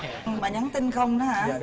mà nhắn tin không đó hả